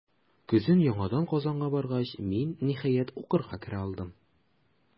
Көзен яңадан Казанга баргач, мин, ниһаять, укырга керә алдым.